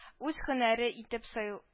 З һөнәрләре итеп сайла